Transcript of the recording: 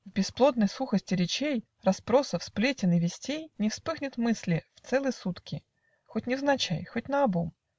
В бесплодной сухости речей, Расспросов, сплетен и вестей Не вспыхнет мысли в целы сутки, Хоть невзначай, хоть наобум